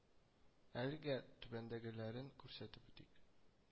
Әлегә түбәндәгеләрен күрсәтеп үтик: